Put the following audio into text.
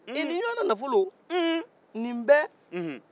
hee nin ɲɔgɔna nafolo hun nin bɛɛ hun